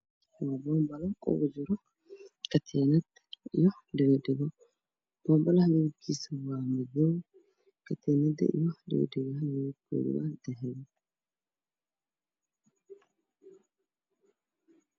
Waa bombale midabkiisu yahay madow waxaa ku jira katin midabkiisu yahay dahabi isaha ka yaalo labo dhego dhago